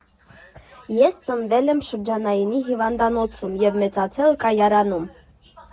Ես ծնվել եմ Շրջանայինի հիվանդանոցում ու մեծացել Կայարանում։